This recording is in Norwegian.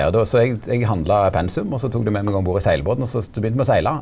ja då så eg eg handla pensum også tok det med meg om bord i seglbåten også begynte me å segla.